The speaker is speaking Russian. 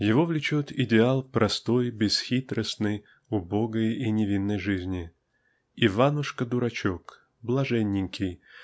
Его влечет идеал простой, бесхитростной, убогой и невинной жизни Иванушка-дурачок "блаженненький"